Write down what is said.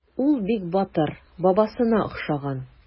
Ул бик батыр, бабасына охшаган.